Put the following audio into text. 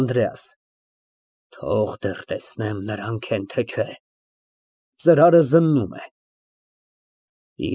ԱՆԴՐԵԱՍ ֊ Թող դեռ տեսնեմ, նրանք են թե չէ։ (Ծրարը զննում է)։